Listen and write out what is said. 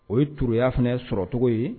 O ye tro yyaf sɔrɔcogo ye